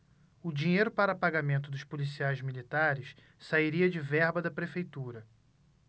o dinheiro para pagamento dos policiais militares sairia de verba da prefeitura